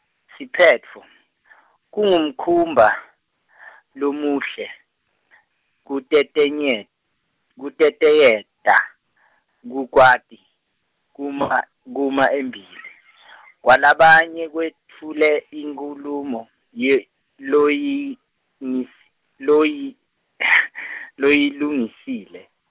siphetfo , Kungumkhuba , lomuhle, kutetenyet-, kutetayeta , kukwati, kuma kuma embili , kwalabanye wetfule inkulumo, le- loyi- nis- loyi- loyilungisile.